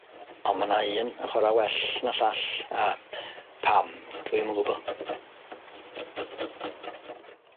on' ma' 'na un yn chwara well na llall a pam dwi'm yn gwbo.